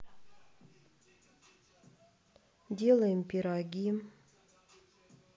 делаем пироги